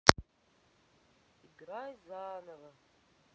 играй заново